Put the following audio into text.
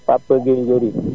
Papa Gueye Njeri